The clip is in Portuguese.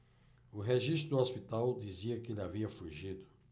o registro do hospital dizia que ele havia fugido